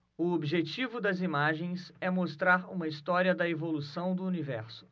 o objetivo das imagens é mostrar uma história da evolução do universo